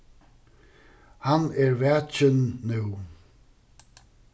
hann er vakin nú